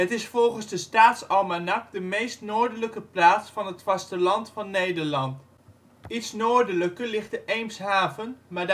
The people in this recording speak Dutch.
is volgens de Staatsalmanak de meest noordelijke plaats van het vasteland van Nederland. Iets noordelijker ligt de Eemshaven, maar